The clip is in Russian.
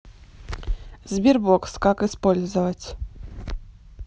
sberbox как использовать